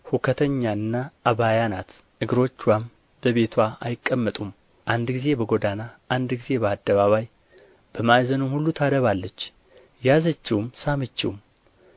ሁከተኛና አባያ ናት እግሮችዋም በቤትዋ አይቀመጡም አንድ ጊዜ በጎዳና አንድ ጊዜ በአደባባይ በማዕዘኑም ሁሉ ታደባለች ያዘችውም ሳመችውም